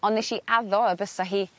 ond nesh i addo y bysa hi